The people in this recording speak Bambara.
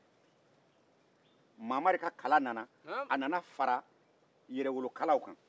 mamari ka kala nana fara yɛrɛwolokala kan